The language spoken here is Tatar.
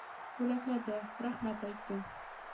Бүләкләде, рәхмәт әйтте